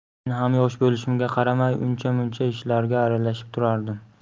men ham yosh bo'lishimga qaramay uncha muncha ishlarga aralashib turardim